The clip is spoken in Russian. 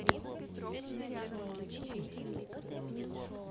посмотреть николь